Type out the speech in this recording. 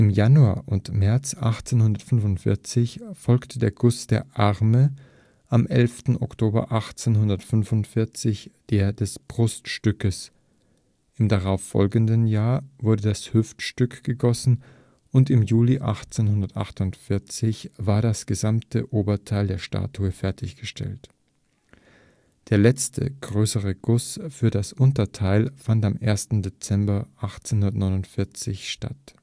Januar und März 1845 folgte der Guss der Arme, am 11. Oktober 1845 der des Bruststückes. Im darauf folgenden Jahr wurde das Hüftstück gegossen, und im Juli 1848 war das gesamte Oberteil der Statue fertiggestellt. Der letzte größere Guss, für das Unterteil, fand am 1. Dezember 1849 statt